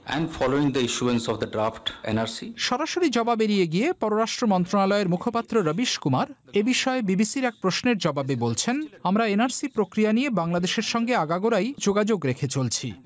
and following the issues and the draft of N R C সরাসরি জবাব এড়িয়ে গিয়ে পররাষ্ট্র মন্ত্রণালয়ের মুখপাত্র রবিস কুমার বিবিসির এক প্রশ্নের জবাবে বলছেন আমরা এনআরসি প্রক্রিয়া নিয়ে বাংলাদেশের সঙ্গে আগাগোড়াই যোগাযোগ রেখে চলছি